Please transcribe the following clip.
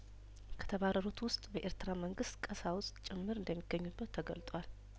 ከተባረሩት ውስጥ በኤርትራ መንግስት ቀሳውስት ጭምር እንደሚገኙ በት ተገልጧል